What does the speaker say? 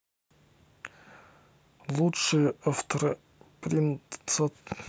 лучшие авторы тринадцать